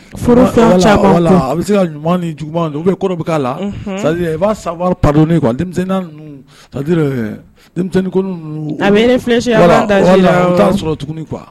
Furua la a bɛ se ka ɲuman ni jugu u kɔrɔ bɛ la i' sa pad a fisi'a sɔrɔ tuguni kuwa